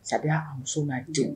Saya a muso'a denw